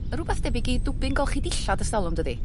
rwbath debyg i dwbyn golchi dillad ers dalwm dydi?